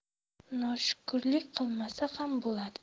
noshukurlik qilmasa ham bo'ladi